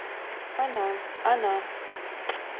она она